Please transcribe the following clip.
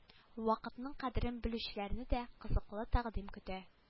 Вакытның кадерен белүчеләрне дә кызыклы тәкъдим көтә